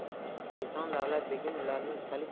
eson davlat begim ularni ustalik